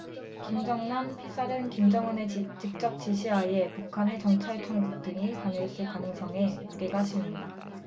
김정남 피살은 김정은의 직접 지시 하에 북한의 정찰총국 등이 관여했을 가능성에 무게가 실린다